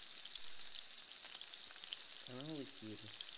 канал киры